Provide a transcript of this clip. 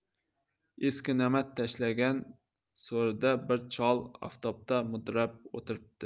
eski namat tashlangan so'rida bir chol oftobda mudrab o'tiribdi